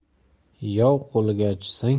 yov qo'liga tushsang